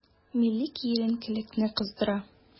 Милли киеренкелекне кыздыра.